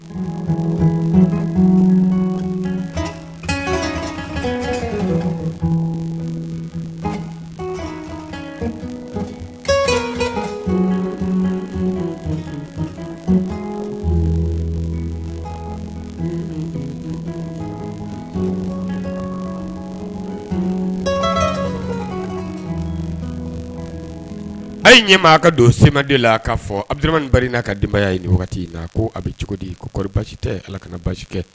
A ye ɲɛ maa a ka don seden la k'a fɔ a adama ba n ka denbaya ye in ko a bɛ cogo di koɔri basiji tɛ ala kana baasiji tɛ